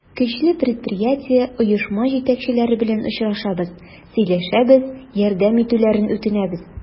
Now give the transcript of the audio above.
Көчле предприятие, оешма җитәкчеләре белән очрашабыз, сөйләшәбез, ярдәм итүләрен үтенәбез.